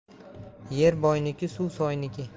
yer boyniki suv soyniki